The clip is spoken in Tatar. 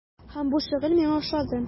Һәм бу шөгыль миңа ошады.